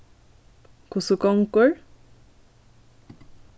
hvussu gongur